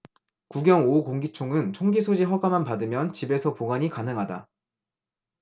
구경 오 공기총은 총기소지 허가만 받으면 집에서 보관이 가능하다